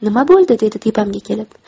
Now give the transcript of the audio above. nima bo'ldi dedi tepamga kelib